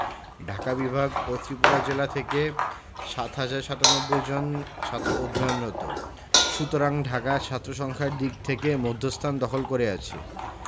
ঢাকা বিভাগ ও ত্রিপুরা জেলা থেকে ৭ হাজার ৯৭ জন ছাত্র অধ্যয়নরত সুতরাং ঢাকা ছাত্রসংখ্যার দিক থেকে মধ্যস্থান দখল করে আছে